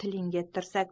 tilingga tirsak